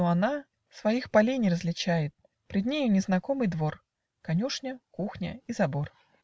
но она Своих полей не различает: Пред нею незнакомый двор, Конюшня, кухня и забор.